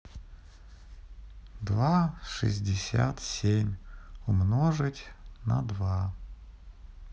два шестьдесят семь умножить на два